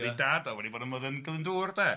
ond ei dad oedd wedi bod ym myddin Glyndŵr de.